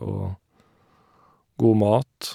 Og god mat.